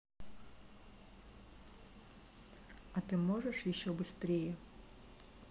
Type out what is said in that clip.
а ты можешь еще быстрее